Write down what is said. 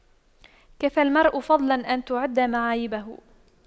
كفى المرء فضلا أن تُعَدَّ معايبه